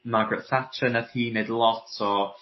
Margret Thatcher nath hi neud lot o